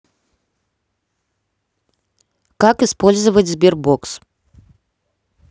как использовать sberbox